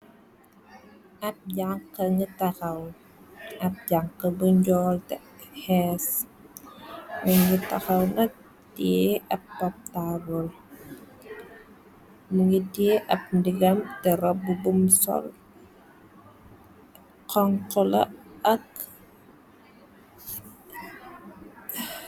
ab jànx bu njool te xees ningi taxaw na ti ab poptabal mu ngit yi ab ndigam te robb bum sol xanxula ak